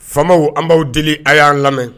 Faamaw an b'aw deli a y'an lamɛn